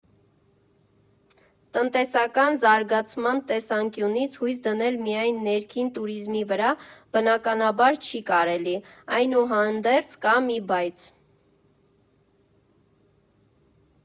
Տնտեսական զարգացման տեսանկյունից հույս դնել միայն ներքին տուրիզմի վրա, բնականաբար չի կարելի, այնուհանդերձ կա մի «բայց»։